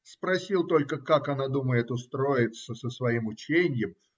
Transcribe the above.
спросил только, как она думает устроиться со своим ученьем.